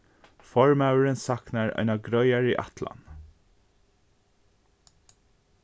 formaðurin saknar eina greiðari ætlan